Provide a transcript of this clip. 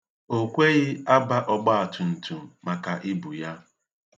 O kweghị aba ọgbatumtum maka ibu ya.